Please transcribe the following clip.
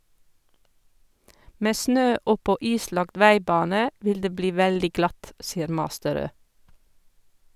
Med snø oppå islagt veibane vil det bli veldig glatt, sier Masterød.